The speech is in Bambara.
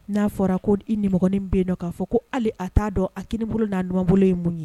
N'a fɔra ko d i nimɔgɔni min be yennɔ k'a fɔ ko hali a t'a dɔn a kinibolo n'a numanbolo ye mun ye